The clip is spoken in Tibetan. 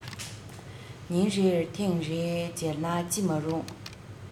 ཉིན རེར ཐེངས རེ མཇལ ན ཅི མ རུང